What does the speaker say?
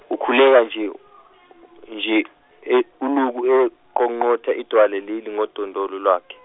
ukhuleka nje , nje e- ulokhu eqongqotha idwala leli ngodondolo lwakhe.